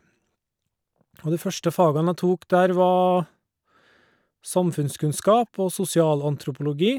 Og de første fagene jeg tok der var samfunnskunnskap og sosialantropologi.